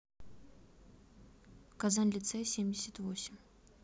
казань лицей семьдесят восемь